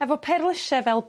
Efo perlysie fel